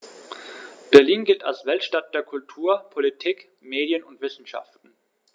Berlin gilt als Weltstadt der Kultur, Politik, Medien und Wissenschaften.